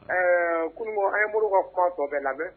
Ɛɛ kunun an ye bolo ka kuma labɛn